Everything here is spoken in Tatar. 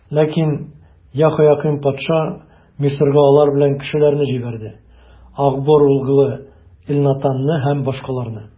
Ләкин Яһоякыйм патша Мисырга аның белән кешеләрне җибәрде: Ахбор углы Элнатанны һәм башкаларны.